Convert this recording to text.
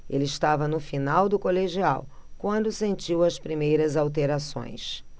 ele estava no final do colegial quando sentiu as primeiras alterações